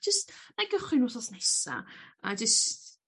Jyst nâi gychwyn wthnos nesa' a jyst